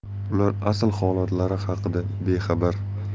ular asl holatlari haqida bexabar